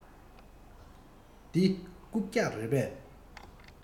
འདི རྐུབ བཀྱག རེད པས